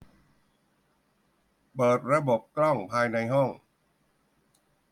เปิดระบบกล้องภายในห้อง